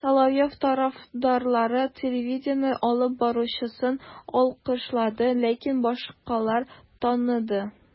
Соловьев тарафдарлары телевидение алып баручысын алкышлады, ләкин башкалар таныды: